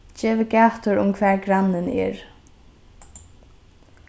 gevið gætur um hvar grannin er